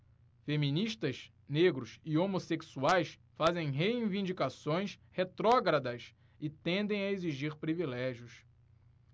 feministas negros e homossexuais fazem reivindicações retrógradas e tendem a exigir privilégios